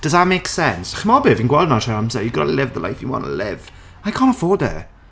Does that make sense? Chimod be? Fi'n gweld hwnna trwy'r amser, "You've got to live the life you want to live." I can't afford it.